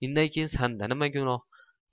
innaykeyin sanda nima gunoh